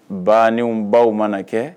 Banni baw mana kɛ